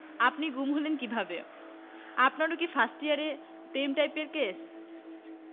বলেন কী আপনি গুম হলেন কীভাবে আপনারও কি ফার্স্ট ইয়ারের প্রেমটাইপের কেস